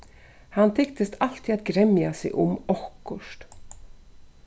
hann tyktist altíð at gremja seg um okkurt